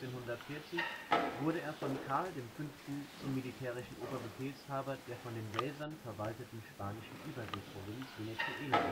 1540 wurde er von Karl V. zum militärischen Oberbefehlshaber der von den Welsern verwalteten spanischen Überseeprovinz Venezuela